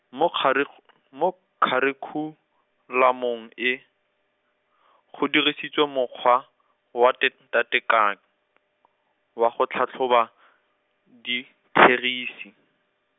mo kgarikh- , mo kharikhulamong e, go dirisitswe mokgwa, wa tet- ntatekan-, wa go tlhatlhoba , ditherisi.